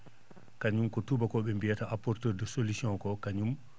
kañum ko tubakoo?e biyata apporteur de solution ko kañum